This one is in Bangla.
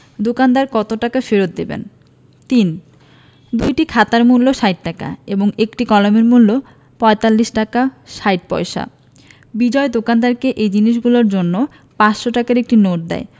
দোকানদার কত টাকা ফেরত দেবেন ৩ দুইটি খাতার মূল্য ৬০ টাকা এবং একটি কলমের মূল্য ৪৫ টাকা ৬০ পয়সা বিজয় দোকানদারকে এই জিনিসগুলোর জন্য ৫০০ টাকার একটি নোট দেয়